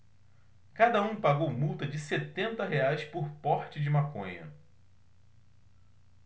cada um pagou multa de setenta reais por porte de maconha